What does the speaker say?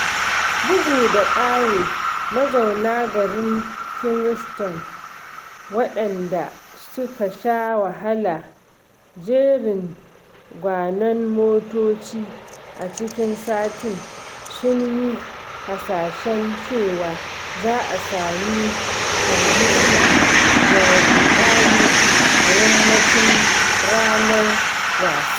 Bugu da ƙari, mazauna garin Kingston, waɗanda suka sha wahalar jerin gwanon motoci a cikin satin, sun yi hasashen cewa za a sami hargitsi da ruɗani a yammacin ranar wasan.